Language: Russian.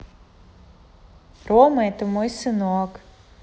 рома это мой сынок